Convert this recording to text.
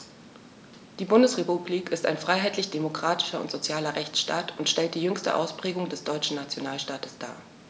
Die Bundesrepublik ist ein freiheitlich-demokratischer und sozialer Rechtsstaat und stellt die jüngste Ausprägung des deutschen Nationalstaates dar.